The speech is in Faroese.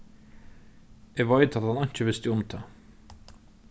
eg veit at hann einki visti um tað